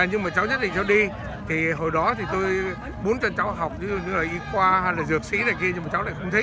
nhưng mà cháu nhất định cháu đi thì hồi đó thì tôi muốn cho cháu học ví dụ như là y khoa hay là dược sĩ này kia nhưng mà cháu lại không thích